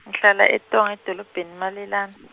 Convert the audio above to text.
ngihlala eTonga edolobheni na Malelane.